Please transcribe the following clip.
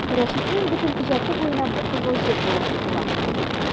Рәшитнең бөтен иҗаты буена бу кызыл җеп булып сузыла.